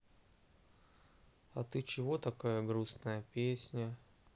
а ты чего такая грустная песня